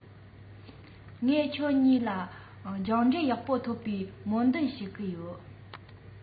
ངས ཁྱེད གཉིས ལ སྦྱངས འབྲས ཡག པོ ཐོབ པའི སྨོན འདུན ཞུ གི ཡིན